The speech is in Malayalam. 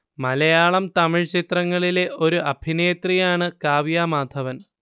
മലയാളം തമിഴ് ചിത്രങ്ങളിലെ ഒരു അഭിനേത്രിയാണ് കാവ്യ മാധവൻ